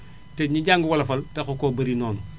te ñi jàng wolofal taxu koo bari noonu